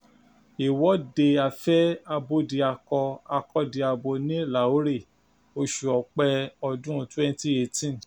Ìwọ́de Afẹ́ Abódiakọ-akọ́diabo ní Lahore, oṣù Ọ̀pẹ, ọdún 2018.